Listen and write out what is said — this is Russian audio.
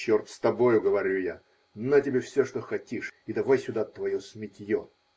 -- Черт с тобою, говорю я, -- на тебе все, что хотишь, и давай сюда твое сметье.